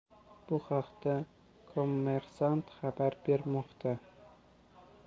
bu haqda kommersant xabar bermoqda